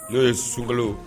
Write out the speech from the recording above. N'o ye sunkalo